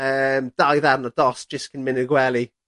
yym dau ddarn o dost jyst cyn mynd i'r gwely.